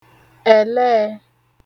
ẹ̀lẹẹ̄